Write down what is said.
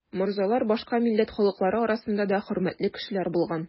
Морзалар башка милләт халыклары арасында да хөрмәтле кешеләр булган.